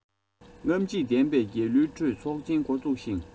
རྔམ བརྗིད ལྡན པའི རྒྱལ གླུའི ཁྲོད ཚོགས ཆེན འགོ ཚུགས ཤིང